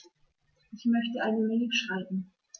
Ich möchte eine Mail schreiben.